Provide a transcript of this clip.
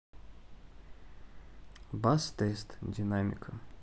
бас тест динамика